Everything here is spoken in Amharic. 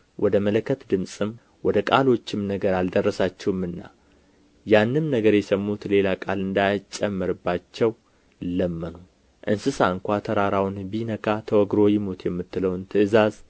ወደ መለከት ድምፅም ወደ ቃሎችም ነገር አልደረሳችሁምና ያንም ነገር የሰሙት ሌላ ቃል እንዳይጨመርባቸው ለመኑ እንስሳ እንኳ ተራራውን ቢነካ ተወግሮ ይሙት የምትለውን ትእዛዝ